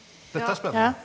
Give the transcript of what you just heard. dette er spennende.